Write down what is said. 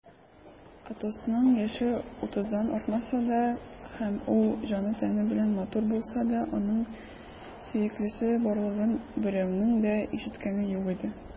Атосның яше утыздан артмаса да һәм ул җаны-тәне белән матур булса да, аның сөеклесе барлыгын берәүнең дә ишеткәне юк иде.